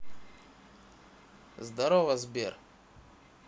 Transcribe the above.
здорово сбер